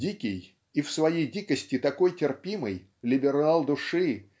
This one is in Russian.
"дикий" и в своей дикости такой терпимый либерал души